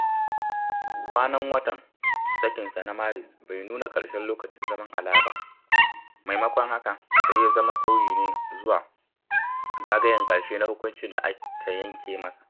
Kwanan watan sakinsa na Maris bai nuna ƙarshen lokacin zaman Alaa ba, maimakon haka, sai ya zama sauyi ne zuwa zagayen ƙarshe na hukuncin da aka yanke masa.